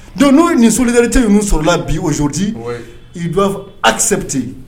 Donc n'o ni solondli tɛ ninnu sɔrɔlala bi ozoti i bɛ asɛpte